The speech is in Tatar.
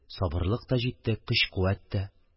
Сабырлык та җитте, көч-куәт тә.